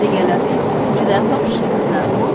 deganlaridek juda topishibsizlar ku